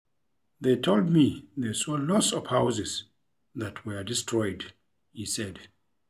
"They told me they saw lots of houses that were destroyed," he said.